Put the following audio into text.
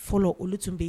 Fɔlɔ olu tun bɛ yen